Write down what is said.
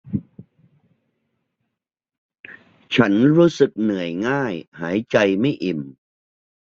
ฉันรู้สึกเหนื่อยง่ายหายใจไม่อิ่ม